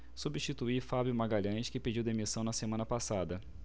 substitui fábio magalhães que pediu demissão na semana passada